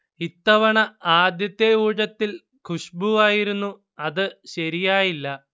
ഇത്തവണ ആദ്യത്തെ ഊഴത്തിൽ ഖുശ്ബുവായിരുന്നു. അത് ശരിയായില്ല